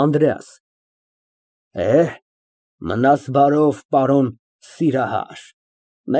ԱՆԴՐԵԱՍ ֊ Է, մնաս բարով պարոն սիրահար։